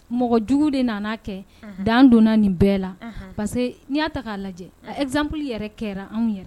Mɔgɔ jugu de nana'a kɛ dan donna nin bɛɛ la parce que n'i y'a ta k'a lajɛ zanalipli yɛrɛ kɛra anw yɛrɛ